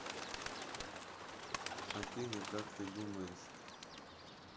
афина как ты думаешь